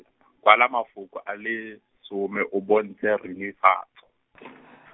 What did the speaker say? kwala mafoko a le, some o bontshe rinifatso .